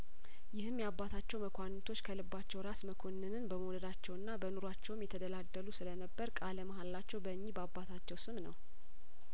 ይህም የአባታቸው መኳንንቶች ከልባቸው ራስ መኮንንን በመውደዳቸውና በኑሮ አቸውም የተደ ላደሉ ስለነበር ቃለመሀላቸው በእኚሁ ባባታቸው ስም ነው